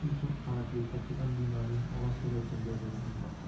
u to'rt qavatli kattakon binoning ovoz kelayotgan derazasini topdi